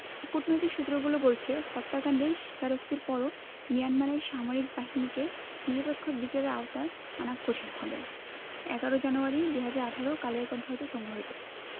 কূটনৈতিক সূত্রগুলো বলছে হত্যাকাণ্ডের স্বীকারোক্তির পরও মিয়ানমারের সামরিক বাহিনীকে নিরপেক্ষ বিচারের আওতায় আনা কঠিন হবে ১১ জানুয়ারি ২০১৮ কালের কন্ঠ হতে সংগৃহীত